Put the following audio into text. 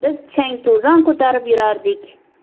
biz chang to'zon ko'tarib yurardik